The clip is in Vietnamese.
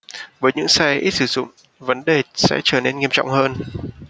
với những xe ít sử dụng vấn đề sẽ trở nên nghiêm trọng hơn